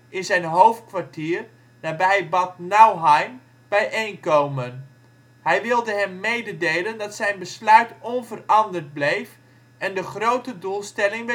in zijn hoofdkwartier (nabij Bad Nauheim) bijeen komen. Hij wilde hen mededelen dat zijn besluit onveranderd bleef en de ' grote doelstelling